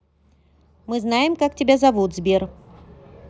мы знаем как тебя зовут сбер